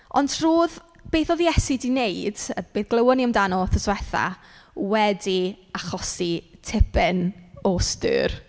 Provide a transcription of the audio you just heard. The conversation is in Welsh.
Ond roedd beth oedd Iesu 'di wneud a be glywon ni amdano wythnos ddiwetha wedi achosi tipyn o stir.